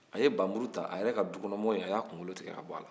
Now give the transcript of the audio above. a bamuru ta a yɛrɛ ka dukɔnɔ mɔgɔ in a y'a kunkolo tigɛ ka bɔ a la